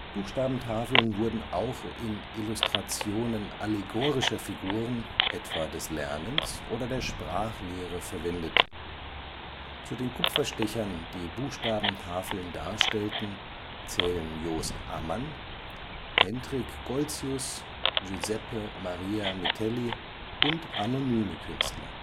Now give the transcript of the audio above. Buchstabentafeln wurden auch in Illustrationen allegorischer Figuren, etwa des Lernens oder der Sprachlehre, verwendet. Zu den Kupferstechern, die Buchstabentafeln darstellten, zählen Jost Ammann, Hendrick Goltzius, Giuseppe Maria Mitelli und anonyme Künstler